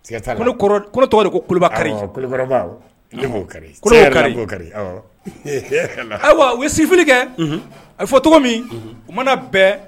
Tɔgɔ ayiwa u ye sif kɛ a fɔ cogo min u mana bɛɛ